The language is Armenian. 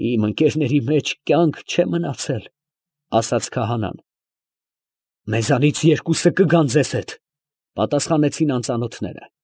Իմ ընկերների մեջ կյանք չէ մնացել, ֊ ասաց քահանան։ ֊ Մեզանից երկուսը ձեզ հետ կգան, ֊ պատասխանեցին անծանոթները։